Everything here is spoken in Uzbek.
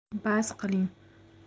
bas qiling